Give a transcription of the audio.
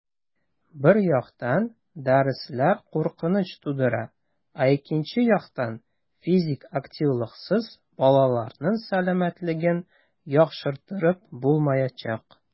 Бер яктан, дәресләр куркыныч тудыра, ә икенче яктан - физик активлыксыз балаларның сәламәтлеген яхшыртып булмаячак.